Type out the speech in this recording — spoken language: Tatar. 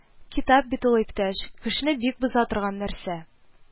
Китап бит ул, иптәш, кешене бик боза торган нәрсә